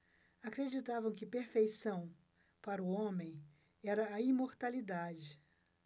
acreditavam que perfeição para o homem era a imortalidade